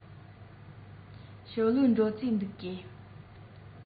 ཞའོ ལིའི འགྲོ རྩིས འདུག གས